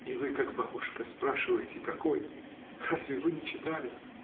— И вы, как бабушка, спрашиваете, какой! Разве вы не читали?